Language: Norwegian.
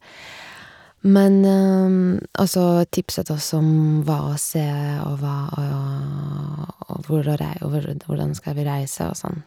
men Og så tipset oss om hva å se og hva å å hvor å rei og hvor å d hvordan skal vi reise og sånn.